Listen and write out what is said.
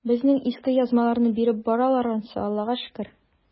Безнең иске язмаларны биреп баралар ансы, Аллага шөкер.